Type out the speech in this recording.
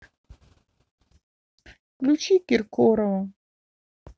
включи киркорова